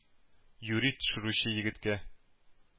Юри төшерүче егеткә,